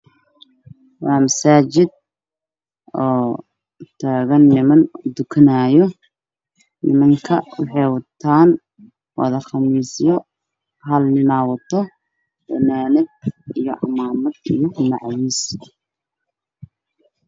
Waa masaajid oo niman dhex taagan yihiin oo ay kutukanaayaan, waxay wataan wado qamiisyo hal nin ayaa wato fanaanad iyo macawis.